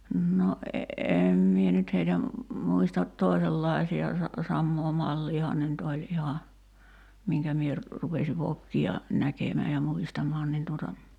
no en minä nyt heitä muista toisenlaisia - samaa malliahan ne nyt oli ihan minkä minä - rupesin vokkia näkemään ja muistamaan niin tuota